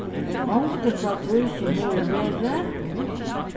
gongdin frá tí sum hevur verið